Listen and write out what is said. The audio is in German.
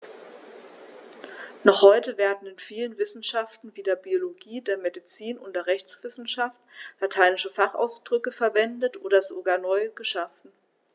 Noch heute werden in vielen Wissenschaften wie der Biologie, der Medizin und der Rechtswissenschaft lateinische Fachausdrücke verwendet und sogar neu geschaffen.